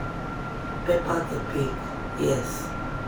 ""Peppa the pig," yes."